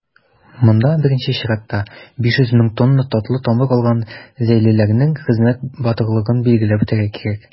Монда, беренче чиратта, 500 мең тонна татлы тамыр алган зәйлеләрнең хезмәт батырлыгын билгеләп үтәргә кирәк.